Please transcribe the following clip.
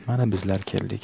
mana bizlar keldik